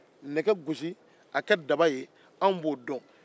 anw bɛ se ka nɛgɛ kuru k'a kɛ daba ye